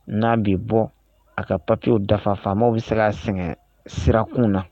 N'a bɛ bɔ a ka papiyew dafa faama bɛ se k'a sɛgɛn sirakun na